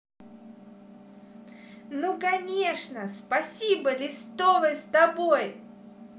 ну конечно спасибо листовой с тобой